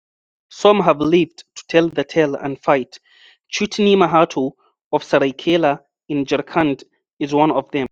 Some have lived to tell the tale and fight. Chutni Mahato of Saraikela in Jharkhand is one of them.